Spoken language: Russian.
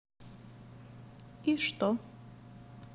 и что